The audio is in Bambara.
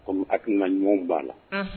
Hakiina ɲɔw banna la